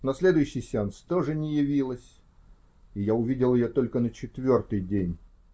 На следующий сеанс тоже не явилась, и я увидел ее только на четвертый день.